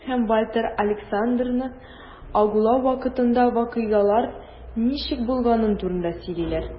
Максим һәм Вальтер Александрны агулау вакытында вакыйгалар ничек булганы турында сөйлиләр.